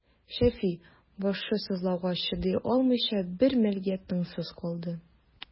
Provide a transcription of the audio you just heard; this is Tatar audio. Шәфи, башы сызлауга чыдый алмыйча, бер мәлгә тынсыз калды.